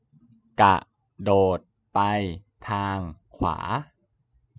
กระโดดไปทางขวา